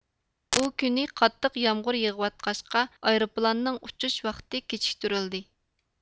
ئۇ كۈنى قاتتىق يامغۇر يېغىۋاتقاچقا ئايروپىلاننىڭ ئۇچۇش ۋاقتى كېچىكتۈرۈلدى